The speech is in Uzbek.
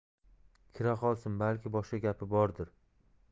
kiraqolsin balki boshqa gapi bordir